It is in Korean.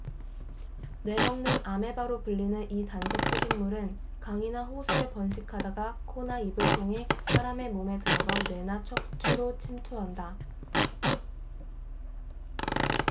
뇌 먹는 아메바로 불리는 이 단세포 생물은 강이나 호수에 번식하다가 코나 입을 통해 사람의 몸에 들어가 뇌나 척추로 침투한다